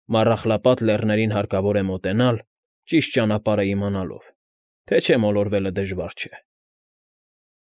Մառախլապատ Լեռներին հարկավոր է մոտենալ՝ ճիշտ ճանապարհն իմանալով, թե չէ մոլորվելը դժվար չէ։